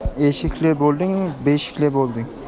eshikli bo'lding beshikli bo'lding